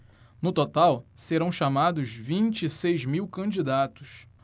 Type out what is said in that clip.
no total serão chamados vinte e seis mil candidatos